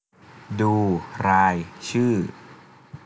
ดูรายชื่อ